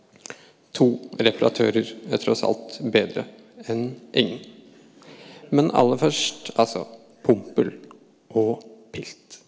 to reparatører er tross alt bedre enn ingen, men aller først altså Pompel og Pilt.